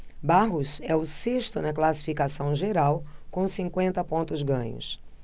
barros é o sexto na classificação geral com cinquenta pontos ganhos